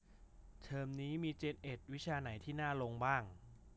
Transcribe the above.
เทอมนี้มีเจ็นเอ็ดวิชาไหนที่น่าลงบ้าง